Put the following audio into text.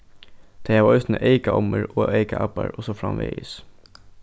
tey hava eisini eyka ommur og eyka abbar og so framvegis